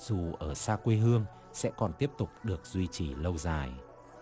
dù ở xa quê hương sẽ còn tiếp tục được duy trì lâu dài